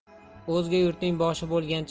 o'zga yurtning boshi bo'lgancha